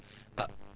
waaw te yooyu nag